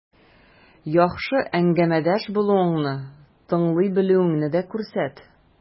Яхшы әңгәмәдәш булуыңны, тыңлый белүеңне дә күрсәт.